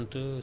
Ousmane